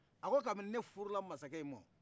a ko kabini ne furula mansakɛ in ma